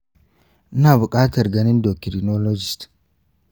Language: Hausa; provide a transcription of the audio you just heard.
ina buƙatar ganin ndocrinologist.